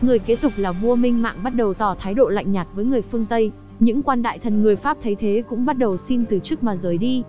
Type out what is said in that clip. người kế tục là vua minh mạng bắt đầu tỏ thái độ lạnh nhạt với người phương tây những quan đại thần người pháp thấy thế cũng bắt đầu xin từ chức mà rời đi